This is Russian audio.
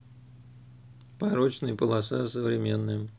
порочный полоса современная